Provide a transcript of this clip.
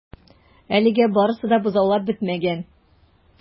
Әлегә барысы да бозаулап бетмәгән.